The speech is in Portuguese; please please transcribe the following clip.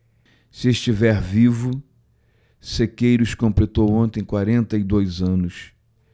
se estiver vivo sequeiros completou ontem quarenta e dois anos